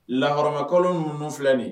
Lahɔrɔmakalo minnu filɛ ni ye